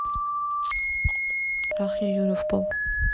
трахни юлю в попу